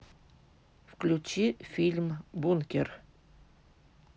включи фильм бункер